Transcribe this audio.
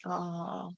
Aww!